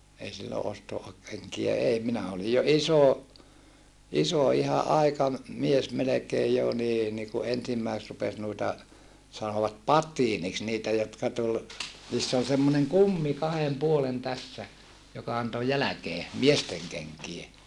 ei silloin - ostokenkiä ei minä olin jo iso iso ihan - aikamies melkein jo niin niin kun ensimmäiset rupesi noita sanovat patiiniksi niitä jotka tuli niissä oli semmoinen kumi kahden puolen tässä joka antoi jälkeen miesten kenkiä